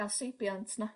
ga'l seibiant na?